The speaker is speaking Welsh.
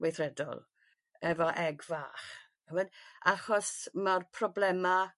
weithredol efo eg fach ch'mod achos ma'r problema